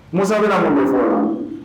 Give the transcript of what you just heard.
Muso bɛna mun fɔ